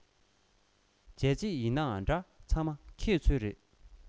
བྱས རྗེས ཡིན ནའང འདྲ ཚང མ ཁྱེད ཚོའི རེད